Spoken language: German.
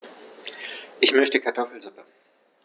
Ich möchte Kartoffelsuppe.